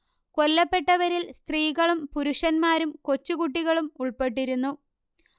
കൊല്ലപ്പെട്ടവരിൽ സ്ത്രീകളും പുരുഷന്മാരും കൊച്ചു കുട്ടികളും ഉൾപ്പെട്ടിരുന്നു